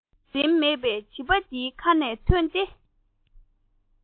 ཟིན མེད པའི བྱིས པ འདིའི ཁ ནས ཐོན ཏེ